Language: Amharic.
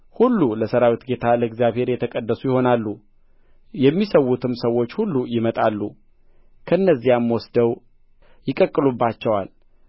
ሁሉ ለሠራዊት ጌታ ለእግዚአብሔር የተቀደሱ ይሆናሉ የሚሠዉትም ሰዎች ሁሉ ይመጣሉ ከእነዚያም ወስደው ይቀቅሉባቸዋል